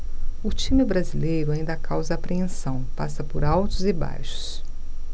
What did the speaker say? o time brasileiro ainda causa apreensão passa por altos e baixos